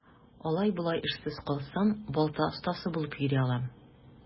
Алай-болай эшсез калсам, балта остасы булып йөри алам.